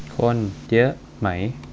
คนเยอะไหม